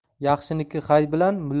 baxshiniki hay bilan